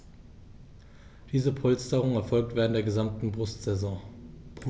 Diese Polsterung erfolgt während der gesamten Brutsaison.